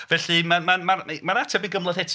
Felly mae'n mae'n mae'r mae'r ateb yn gymleth eto.